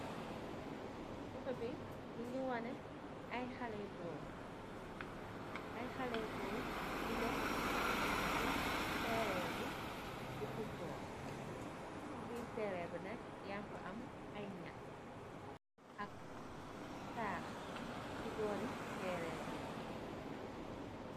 Footo bi mungi wane ay xale yu goor. Ay xale goor yu neekë si tëre bi di fuutbool. Yaank fa am ay ñax, ak taax si boori there bi.